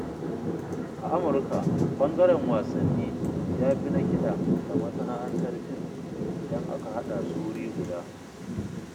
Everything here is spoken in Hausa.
A Amurka, ɓangaren wasanni ya fi na kiɗa da masana'antar fim idan aka haɗa su wuri guda.